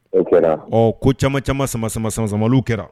O kɛra ɔ ko caman caman sama samama sansan kɛra